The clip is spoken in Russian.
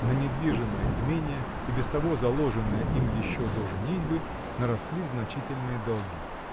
На недвижимое имение, и без того заложенное им еще до женитьбы, наросли значительные долги.